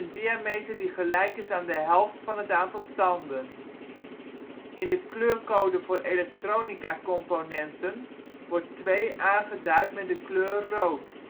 diameter die gelijk is aan de helft van het aantal tanden. In de kleurcode voor elektronicacomponenten wordt 2 aangeduid met de kleur rood